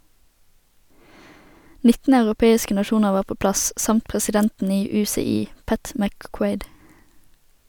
19 europeiske nasjoner var på plass, samt presidenten i UCI, Pat McQuaid.